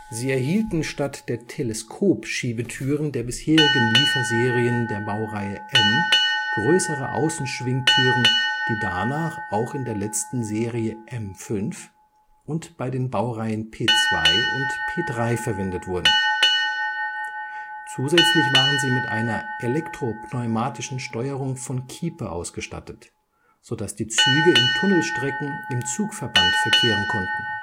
Sie erhielten statt der Teleskopschiebetüren der bisherigen Lieferserien der Baureihe M größere Außenschwingtüren, die danach auch in der letzten Serie M 5 und bei den Baureihen P 2 und P 3 verwendet wurden. Zusätzlich waren sie mit einer elektropneumatischen Steuerung von Kiepe ausgestattet, sodass die Züge in Tunnelstrecken im Zugverband verkehren konnten